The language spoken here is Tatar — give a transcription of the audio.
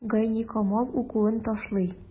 Гайникамал укуын ташлый.